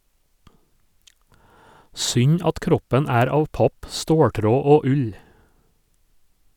Synd at kroppen er av papp, ståltråd og ull.